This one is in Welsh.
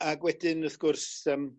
Ag wedyn wrth gwrs yym